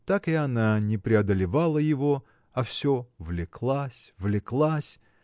так и она не преодолевала его, а все влеклась, влеклась.